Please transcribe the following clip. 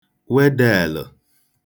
wede àlə̣̀